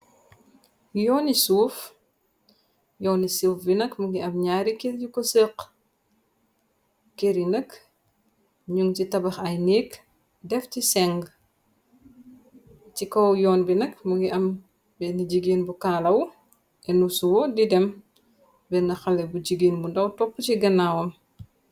Yooni suuf , yoo ni suuf bi nag mungi am ñaari kir yu ko sekh, keryu nakk ñung ci tabax ay nékk def ci seng. Ci kow yoon bi nak mu ngi am benn jigeen bu kaalahu, ennu siwo di dem, benn xale bu jigeen bu ndaw topp ci ganaawam.